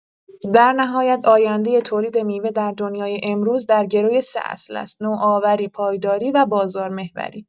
در نهایت آینده تولید میوه در دنیای امروز در گروی سه اصل است: نوآوری، پایداری و بازارمحوری.